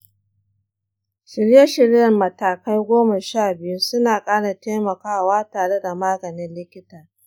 shirye-shiryen matakai goma sha biyu suna ƙara taimakawa tare da maganin likita.